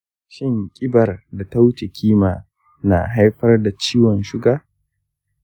shin ƙibar da ta wuce kima na haifar da ciwon suga?